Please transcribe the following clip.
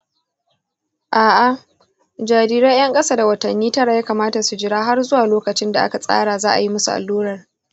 a'a, jarirai 'yan kasa da watanni tara ya kamata su jira har zuwa lokacin da aka tsara za a yi musu allurar.